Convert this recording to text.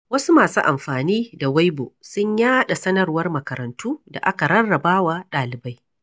Wasu masu amfani da Weibo sun yaɗa sanarwar makarantu da aka rarrabawa ɗalibai.